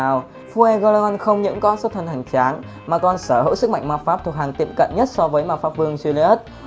fuegoleon không những có xuất thân hoành tráng mà còn sở hữu sức mạnh ma pháp thuộc hàng tiệm cận nhất so với mpv julius